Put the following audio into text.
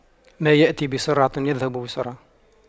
ما يأتي بسرعة يذهب بسرعة